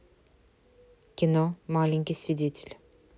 кино маленький свидетель